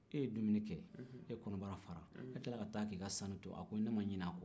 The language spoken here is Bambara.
e ye dumuni kɛ e kɔnɔbara fara i tilala ka taa k'i ka sanu to a ko ne ma ɲin'a kɔ